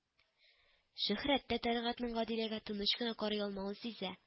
Шөһрәт тә Тәлгатнең Гадиләгә тыныч кына карый алмавын сизә